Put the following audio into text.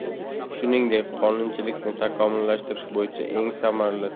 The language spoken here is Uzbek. shuningdek qonunchilikni takomillashtirish bo'yicha eng samarali